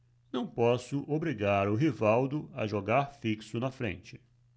não posso obrigar o rivaldo a jogar fixo na frente